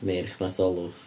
Meirch Matholwch.